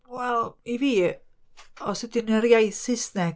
Wel i fi os ydy'n yr iaith Saesneg.